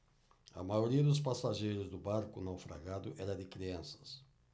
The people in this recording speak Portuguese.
a maioria dos passageiros do barco naufragado era de crianças